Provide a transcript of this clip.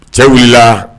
Cɛ wulila